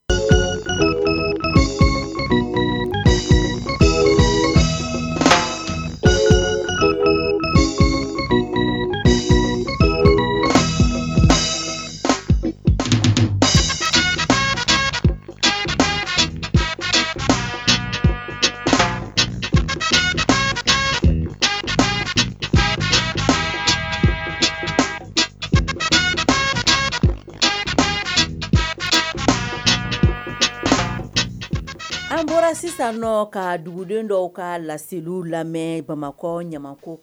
An bɔra sisan n' ka dugudenw dɔw ka laseliliw lamɛn bamakɔ ɲɛ